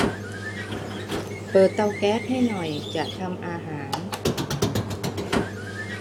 เปิดเตาแก๊สให้หน่อยจะทำอาหาร